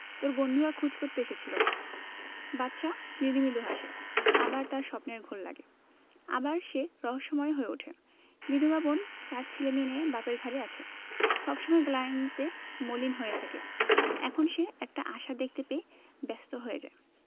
তোর বন্ধুরা খোঁজ করতে এসেছিলো বাদশা মৃদু মৃদু হাসে আবার তার স্বপ্নের ঘোর লাগে আবার সে রহস্যময় হয়ে উঠে বিধবা বোন চার ছেলেমেয়ে নিয়ে বাপের ঘাড়ে আছে সব সময় গ্লানিতে মলিন হয়ে থাকে এখন সে একটা আশা দেখতে পেয়ে ব্যস্ত হয়ে যায়